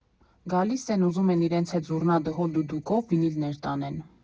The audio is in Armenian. «Գալիս են, ուզում են իրենց հետ զուռնա դհոլ դուդուկով վինիլներ տանեն։